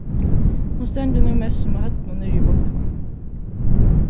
hon stendur nú mest sum á høvdinum niðri í vogninum